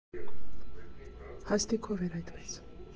Հաստիքով էր այդպես։